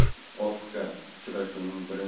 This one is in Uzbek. ofk uchrashuvning birinchi bo'limi